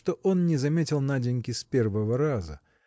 что он не заметил Наденьки с первого раза.